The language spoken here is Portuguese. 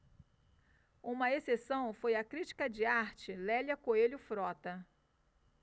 uma exceção foi a crítica de arte lélia coelho frota